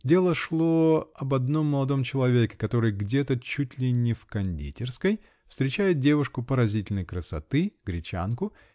Дело шло об одном молодом человеке, который где-то, чуть ли не в кондитерской, встречает девушку поразительной красоты, гречанку